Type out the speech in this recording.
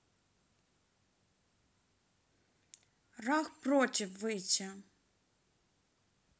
ruth против выйти